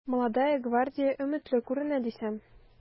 “молодая гвардия” өметле күренә дисәм...